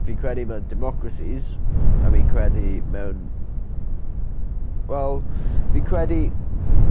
Fi'n credu mewn democracies a fi'n credu mewn wel fi'n credu